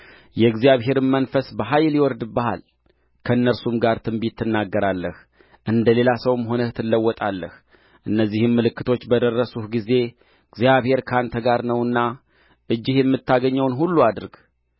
የእግዚአብሔርም መንፈስ በኃይል ይወርድብሃል ከእነርሱም ጋር ትንቢት ትናገራለህ እንደ ሌላ ሰውም ሆነህ ትለወጣለህ እነዚህም ምልክቶች በደረሱህ ጊዜ እግዚአብሔር ከአንተ ጋር ነውና እጅህ የምታገኘውን ሁሉ አድርግ